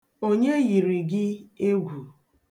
Onye yiri gị egwu?